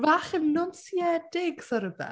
Bach yn nonsiedig 'sa rhywbeth.